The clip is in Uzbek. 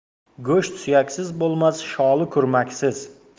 go'sht suyaksiz bo'lmas sholi kurmaksiz